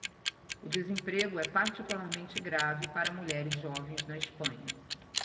o desemprego é particularmente grave para mulheres jovens na espanha